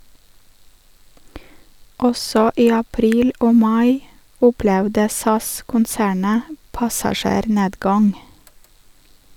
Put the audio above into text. Også i april og mai opplevde SAS-konsernet passasjernedgang.